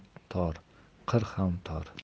tor qir ham tor